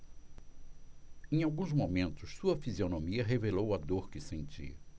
em alguns momentos sua fisionomia revelou a dor que sentia